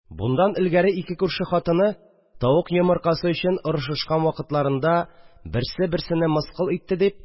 Буннан элгәре ике күрше хатыны, тавык йомыркасы өчен орышышкан вакытларында берсе берсене мыскыл итте, дип